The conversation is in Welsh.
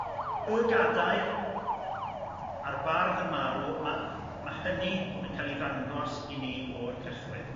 Y gadair a'r bardd yn marw ma- mae hynny yn ca'l i ddangos i ni o'r cychwyn.